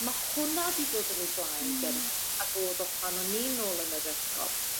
ma' hwnna 'di dod yn 'i flaen gymaint nag o'dd o pan o'n i nôl yn yr ysgol.